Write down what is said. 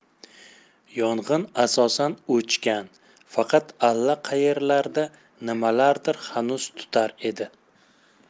yong'in asosan o'chgan faqat allaqaerlarda nimalardir hanuz tutar edi